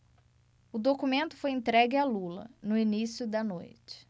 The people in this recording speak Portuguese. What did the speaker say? o documento foi entregue a lula no início da noite